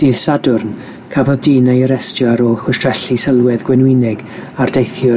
Dydd Sadwrn, cafodd dyn ei arestio ar ôl chwistrellu sylwedd gwenwynig a'r deithiwr